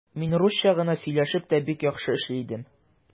Мин русча гына сөйләшеп тә бик яхшы эшли идем.